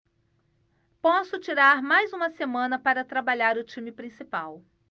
posso tirar mais uma semana para trabalhar o time principal